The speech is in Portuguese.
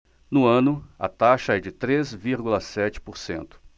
no ano a taxa é de três vírgula sete por cento